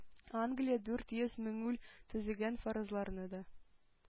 Англия – дүрт йөз меңул төзегән фаразларның да